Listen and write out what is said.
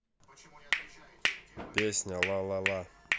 песня ла ла